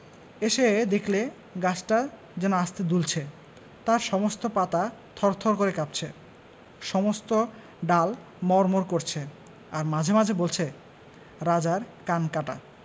এসে দেখলে গাছটা যেন আস্তে দুলছে তার সমস্ত পাতা থারথার করে কাঁপছে সমস্ত ডাল মড়মড় করছে আর মাঝে মাঝে বলছে রাজার কান কাটা